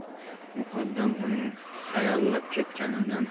muqaddam uning hayallab ketganidan